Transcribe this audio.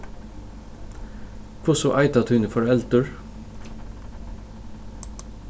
hvussu eita tíni foreldur